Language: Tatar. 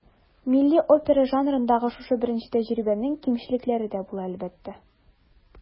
Милли опера жанрындагы шушы беренче тәҗрибәнең кимчелекләре дә була, әлбәттә.